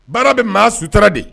Baara bɛ maa sutura de